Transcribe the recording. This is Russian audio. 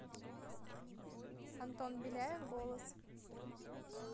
антон беляев голос